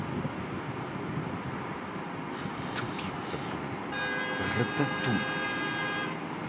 тупица блядь рататуй